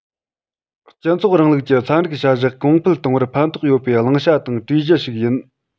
སྤྱི ཚོགས རིང ལུགས ཀྱི ཚན རིག བྱ གཞག གོང འཕེལ གཏོང བར ཕན ཐོགས ཡོད པའི བླང བྱ དང གྲོས གཞི ཞིག ཡིན